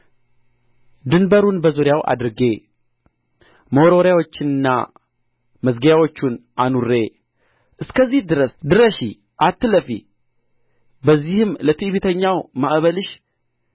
ድንበሩን በዙሪያው አድርጌ መወርወሪያዎቹንና መዝጊያዎቹን አኑሬ እስከዚህ ድረስ ድረሺ አትለፊ በዚህም ለትዕቢተኛው ማዕበልሽ